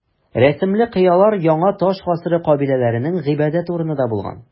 Рәсемле кыялар яңа таш гасыры кабиләләренең гыйбадәт урыны да булган.